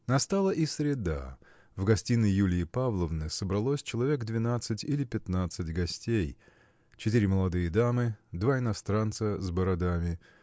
Настала и среда. В гостиной Юлии Павловны собралось человек двенадцать или пятнадцать гостей. Четыре молодые дамы два иностранца с бородами